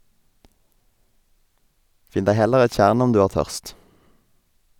Finn deg heller et tjern om du er tørst.